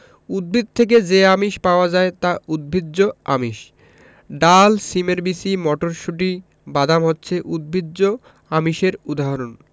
উদ্ভিদ থেকে যে আমিষ পাওয়া যায় তা উদ্ভিজ্জ আমিষ ডাল শিমের বিচি মটরশুঁটি বাদাম হচ্ছে উদ্ভিজ্জ আমিষের উদাহরণ